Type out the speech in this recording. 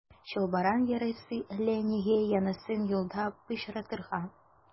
Чалбарың ярыйсы әле, нигә яңасын юлда пычратырга.